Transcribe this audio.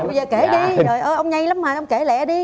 bây giờ kể đi trời ơi ông nhây lắm mà ông kể lẹ đi